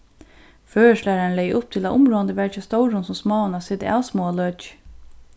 føroysktlærarin legði upp til at umráðandi var hjá stórum sum smáum at seta av smáar løkir